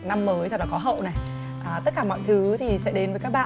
năm mới thật là có hậu này à tất cả mọi thứ thì sẽ đến với các bạn